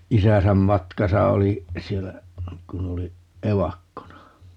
isänsä matkassa oli siellä kun oli evakkona